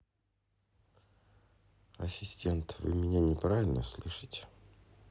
ассистент вы меня неправильно слышите